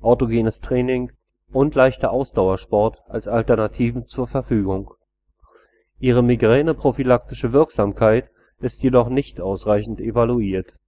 autogenes Training und leichter Ausdauersport als Alternativen zur Verfügung. Ihre migräneprophylaktische Wirksamkeit ist jedoch nicht ausreichend evaluiert